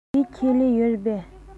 བོད ཡིག ཆེད ལས ཡོད རེད པས